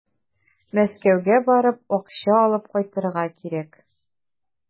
Мәскәүгә барып, акча алып кайтырга кирәк.